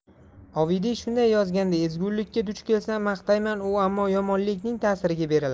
ovidiy shunday yozgandi ezgulikka duch kelsam maqtayman u ammo yomonlikning tasiriga berilaman